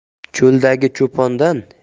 cho'ldagi cho'pondan yo